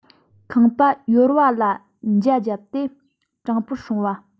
ཁང པ ཡོར བ ལ འཇའ བརྒྱབ སྟེ དྲང པོར སྲོང བ